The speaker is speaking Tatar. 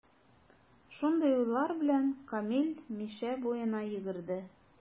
Шундый уйлар белән, Камил Мишә буена йөгерде.